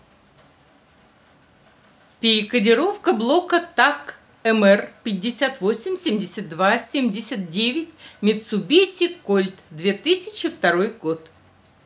перекодировка блока так mr пятьдесят восемь семьдесят два семьдесят девять мицубиси кольт две тысячи второй год